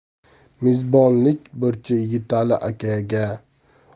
mezbonlik burchi yigitali akaga uni